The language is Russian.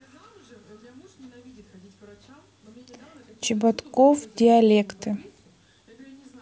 чеботков диалекты